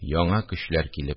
Яңа көчләр килеп